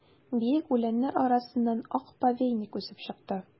Биек үләннәр арасыннан ак повейник үсеп чыкты.